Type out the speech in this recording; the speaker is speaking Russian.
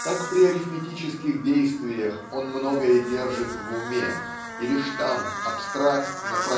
как при арифметических действиях он многое держит в уме и лишь там абстрактно